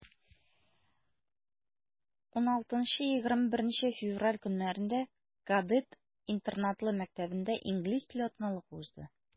16-21 февраль көннәрендә кадет интернатлы мәктәбендә инглиз теле атналыгы узды.